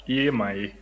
i ye maa ye